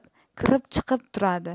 kirib chiqib turadi